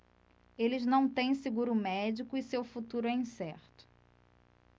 eles não têm seguro médico e seu futuro é incerto